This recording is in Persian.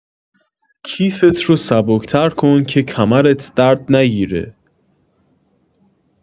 کیفت رو سبک‌تر کن که کمرت درد نگیره